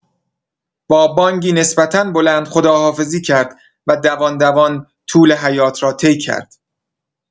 با بانگی نسبتا بلند خداحافظی کرد و دوان دوان طول حیاط را طی کرد.